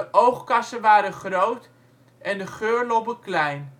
oogkassen waren groot en de geurlobben klein